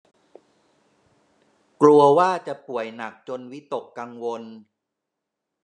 กลัวว่าจะป่วยหนักจนวิตกกังวล